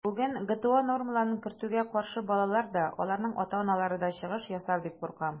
Бүген ГТО нормаларын кертүгә каршы балалар да, аларның ата-аналары да чыгыш ясар дип куркам.